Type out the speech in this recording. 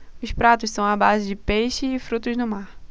os pratos são à base de peixe e frutos do mar